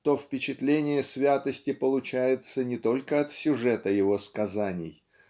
то впечатление святости получается не только от сюжета его сказаний